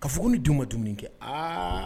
Kaf ni denw ma dumuni kɛ aa